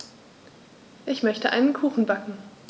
Ich möchte einen Kuchen backen.